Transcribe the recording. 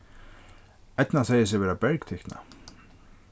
eydna segði seg vera bergtikna